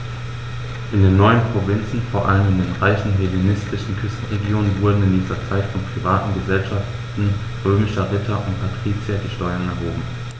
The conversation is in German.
In den neuen Provinzen, vor allem in den reichen hellenistischen Küstenregionen, wurden in dieser Zeit von privaten „Gesellschaften“ römischer Ritter und Patrizier die Steuern erhoben.